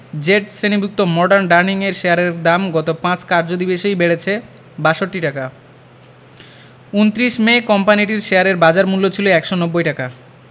Z শ্রেণিভুক্ত modern ডার্নিংয়ের শেয়ারের দাম গত ৫ কার্যদিবসেই বেড়েছে ৬২ টাকা ২৯ মে কোম্পানিটির শেয়ারের বাজারমূল্য ছিল ১৯০ টাকা